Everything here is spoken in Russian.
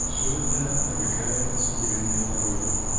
-- все это отвлекает от служения народу